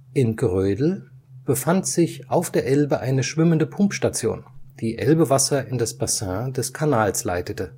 In Grödel befand sich auf der Elbe eine schwimmende Pumpstation, die Elbe-Wasser in das Bassin des Kanals leitete